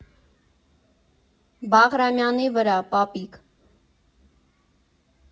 Բաղրամյանի վրա, պապիկ.